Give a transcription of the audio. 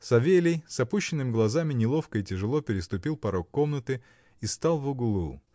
Савелий, с опущенными глазами, неловко и тяжело переступил порог комнаты и стал в углу.